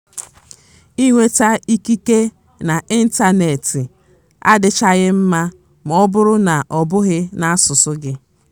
Ịnweta ikike n'ịntanetị adịchaghị mma ma ọ bụrụ na ọ bụghị n'asụsụ gị!